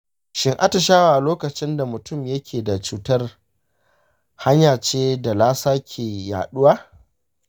shin atishawa lokacin da mutum yake da cuta hanya ce da lassa ke yaduwa?